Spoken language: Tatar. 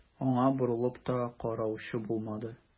Аңа борылып та караучы булмады.